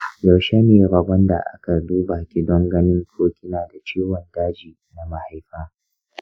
yaushe ne rabon da aka duba ki don ganin ko kina da ciwon daji na mahaifa?